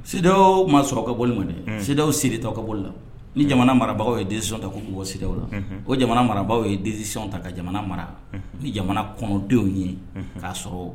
CEDEAO ma sɔrɔ ka bɔ ni mun ye, unh CEDEAO se de tɛ aw ka bolila ni jamana marabagaw ye décision ta k'u bi bɔ CEDEAO la, unhun, o jamana marabagaw ye décision ta ka jamana mara, unhun, ni jamana kɔnɔdenw ye unhun, k'a sɔrɔ